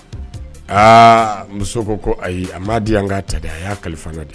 Aa muso ko ko ayi a m'a diyan ŋ'a ta dɛ a y'a kalifa na de